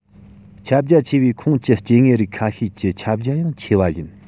ཁྱབ རྒྱ ཆེ བའི ཁོངས ཀྱི སྐྱེ དངོས རིགས ཁ ཤས ཀྱི ཁྱབ རྒྱ ཡང ཆེ བ ཡིན